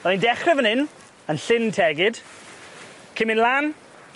Wnawn ni dechre fyn 'yn, yn Llyn Tegid, cyn myn' lan